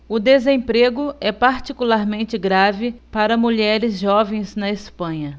o desemprego é particularmente grave para mulheres jovens na espanha